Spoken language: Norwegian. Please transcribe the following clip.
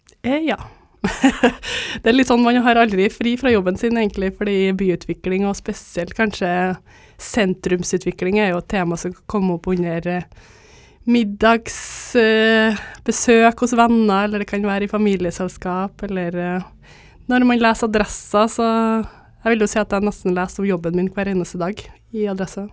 ja det er litt sånn man har aldri fri fra jobben sin egentlig fordi byutvikling og spesielt kanskje sentrumsutvikling er jo et tema som kommer opp under middagsbesøk hos venner, eller det kan være i familieselskap, eller når man leser Adressa, så jeg vil jo si at jeg er nesten leser om jobben min hver eneste i dag i Adressa.